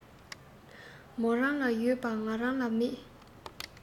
མོ རང ལ ཡོད པ ང རང ལས མེད